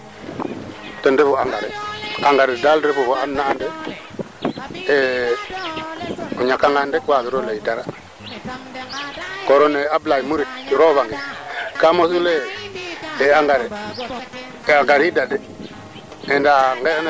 yaam ku i ndefit na xaye no coono ñak engrais dong meeke i ndefna xaye pond ke ndoka wiin we te engrais naname o wote leŋ a fud nu meen ndaa bo xaye e ale a yoqa auto bo xaye dara garate